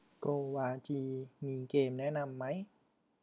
โกวาจีมีเกมแนะนำไหม